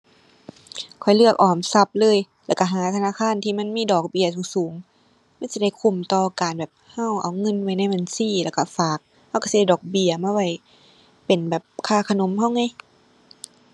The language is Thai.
ข้อยเลือกออมทรัพย์เลย แล้วก็หาธนาคารที่มันมีดอกเบี้ยสูงสูง มันสิได้คุ้มต่อการแบบ ก็เอาเงินไว้ในบัญชีแล้วก็ฝาก ก็ก็สิได้ดอกเบี้ยมาไว้เป็นแบบ ค่าขนมก็ไง